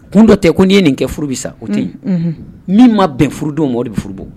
Kun dɔ tɛ ko n' ye nin kɛ furu bɛ sa o ten yen min ma bɛnfdon mɔgɔ de furu bɔ